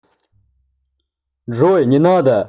джой не надо